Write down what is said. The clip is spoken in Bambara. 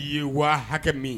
I ye waa hakɛ min